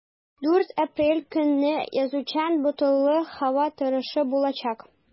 4 апрель көнне аязучан болытлы һава торышы булачак.